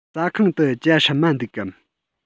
ཟ ཁང དུ ཇ སྲུབས མ འདུག གམ